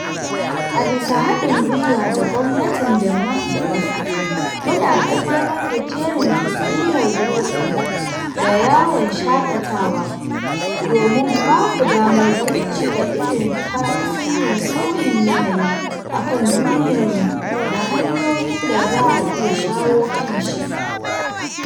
A bisa haɗin gwiwa da gwamnatin Denmark da wasu, muna ƙaddamar da jerin taswirar Google Earth da yawon shaƙatawa, domin ba ku damar bincika irin tasirin sauyin yanayi akan duniyarmu da hanyoyin da za a iya shawo kan shi.